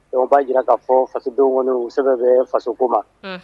Donc o b'a jira k'a fɔ fasodenw kɔni u sɛbɛn bɛ fasoko ma